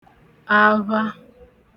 avha